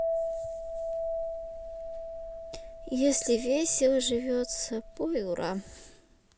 если весело живется пой ура